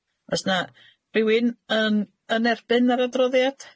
O's 'na rywun yn yn erbyn yr adroddiad?